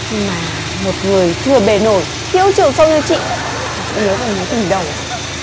mà một người thừa bề nổi thiếu chiều sâu như chị cũng nhớ về mối tình đầu